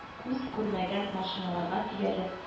Күз күрмәгән машиналарга төялеп